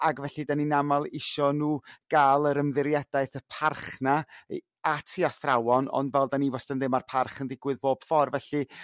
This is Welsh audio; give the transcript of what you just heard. ag felly dan ni'n aml isio nhw ga'l yr ymddiriedaeth y parch 'na i- at 'u athrawon ond fel dan ni wastod yn deud ma'r parch yn ddigwydd bob ffor' felly